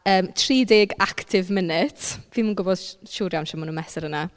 Yym tri deg active minute. Fi'm yn gwbo s- siŵr iawn shwt maen nhw'n mesur hynna.